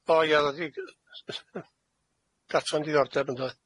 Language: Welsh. O ia o'dd o 'di g- gartra'n ddiddordeb yn doedd